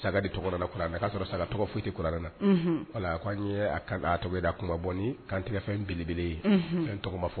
Saga'a sɔrɔ saga tɔgɔtiuranɛ na wala an kuma bɔ kantigɛ fɛn belebele ye tɔgɔ fɔ